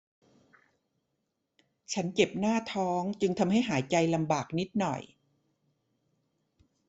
ฉันเจ็บหน้าท้องจึงทำให้หายใจลำบากนิดหน่อย